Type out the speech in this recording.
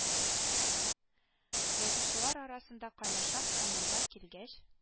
Язучылар арасында кайнашам һәм монда килгәч